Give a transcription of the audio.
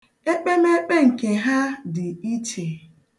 Ekpemekpe nke ha dị iche.